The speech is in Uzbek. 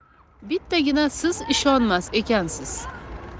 bittagina siz ishonmas ekansiz